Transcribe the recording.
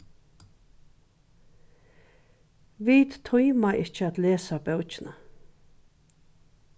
vit tíma ikki at lesa bókina